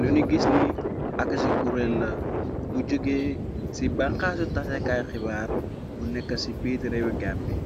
Luni guisne ak ci curel la bu jóge ci banxaasu tasakaay xibaar bu nekk ci biit reewe gam bi